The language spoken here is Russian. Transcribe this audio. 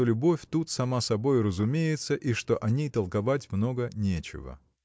что любовь тут сама собою разумеется и что о ней толковать много нечего.